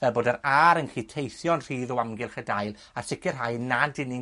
fel bod yr a'r yn 'llu teithio'n rhydd o amgylch y dail a sicirhau nad 'yn ni'n